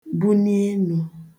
buni enū